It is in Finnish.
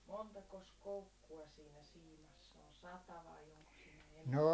montakos koukkua siinä siimassa on sata vai onkos siinä enempi